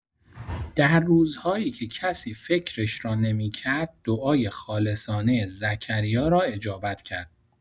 و در روزهایی که کسی فکرش را نمی‌کرد، دعای خالصانه زکریا را اجابت کرد.